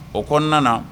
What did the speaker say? O kɔnɔna na